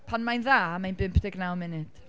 Pan mae'n dda, mae’n bump deg naw munud.